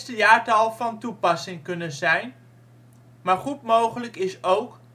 jaartal van toepassing kunnen zijn, maar goed mogelijk is ook